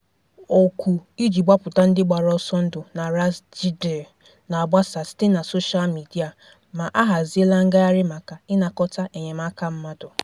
Òkù iji gbapụta ndị gbara ọsọ ndụ na Ras Jdir na-agbasa site na soshal midịa, ma a haziela ngagharị maka ịnakọta enyemaka mmadụ.